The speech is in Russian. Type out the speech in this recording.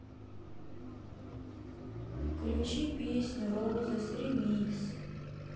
включи песню роузес ремикс